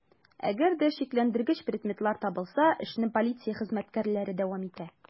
Әгәр дә шикләндергеч предметлар табылса, эшне полиция хезмәткәрләре дәвам итә.